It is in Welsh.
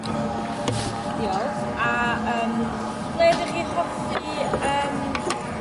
Diolch, a yym ble dych chi hoffi yym